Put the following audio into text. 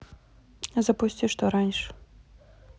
запусти что раньше